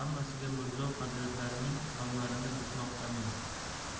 bo'lsam hammasiga mirzo hazratlarining nomlarini bitmoqdamen